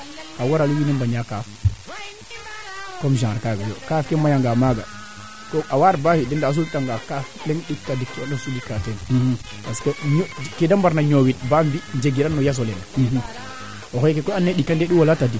voila maga djiby o ndeeta ngaan o qooqale yaaga ten moƴ'u ɗom koy ndaa ten moƴ'u xool parce que o ndeeta ngaan machine kene mbond e teen neeke maaga o ɓayo lewo o xoox taa ndeeta a paax ke o xooxa